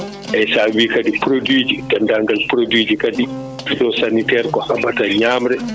eyyi sa wi kadi produit ji deendaangal produit ji kady phytosanitaire ko haaɓata ñamre